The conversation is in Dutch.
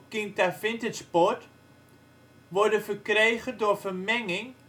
Port) worden verkregen door vermenging